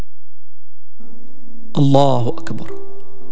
الله اكبر